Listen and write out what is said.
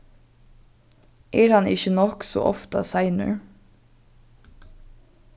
er hann ikki nokk so ofta seinur